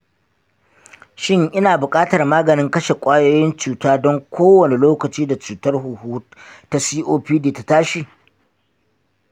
shin ina buƙatar maganin kashe ƙwayoyin cuta don kowane lokaci da cutar huhu ta copd ta tashi?